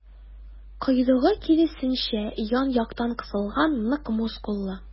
Койрыгы, киресенчә, ян-яктан кысылган, нык мускуллы.